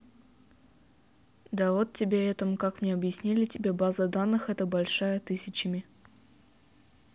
да вот тебе этом как мне объяснили тебе база данных это большая тысячами